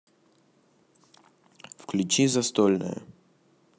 включи застольная